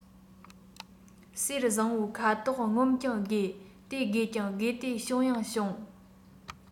གསེར བཟང པོའི ཁ དོག ངོམས ཀྱང དགོས དེ དགོས ཀྱང དགོས ཏེ བྱུང ཡང བྱུང